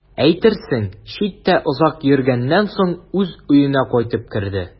Әйтерсең, читтә озак йөргәннән соң үз өенә кайтып керде.